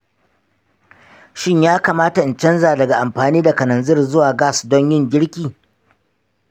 shin ya kamata in canza daga amfani da kananzir zuwa gas don yin girki?